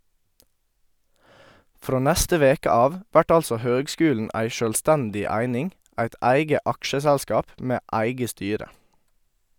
Frå neste veke av vert altså høgskulen ei sjølvstendig eining, eit eige aksjeselskap med eige styre.